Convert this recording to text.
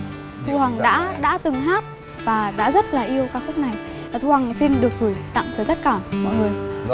thu hằng đã đã từng hát và đã rất là yêu ca khúc này và thu hằng xin được gửi tặng tới tất cả mọi người